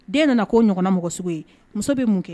Den nana k4o ɲɔgɔnna mɔgɔ sugu ye muso bɛ mun kɛ;;;